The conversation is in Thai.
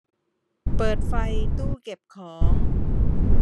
เปิดไฟตู้เก็บของ